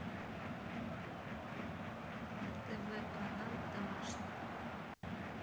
тв канал домашний